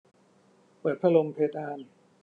เปิดพัดลมเพดาน